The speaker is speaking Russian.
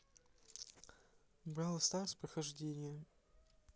бравл старс прохождение